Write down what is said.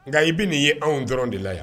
Nka i bɛ nin y ye anw dɔrɔn de la yan